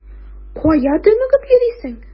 Кая дөмегеп йөрисең?